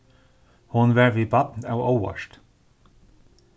hon varð við barn av óvart